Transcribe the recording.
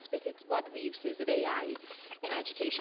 So beth yw.. what are the uses of AI in education?